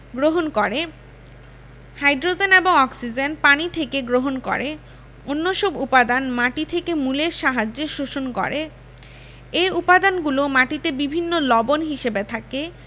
গ্রহণ করে হাই্ড্রোজেন এবং অক্সিজেন পানি থেকে গ্রহণ করে অন্যসব উপাদান মাটি থেকে মূলের সাহায্যে শোষণ করে এ উপাদানগুলো মাটিতে বিভিন্ন লবণ হিসেবে থাকে